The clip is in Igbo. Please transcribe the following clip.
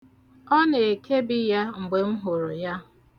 Ọ na-ekebi ya mgbe m hụrụ ya.